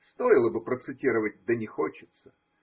Стоило бы процитировать, да не хочется.